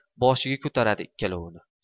boshiga ko'taradi ikkalovini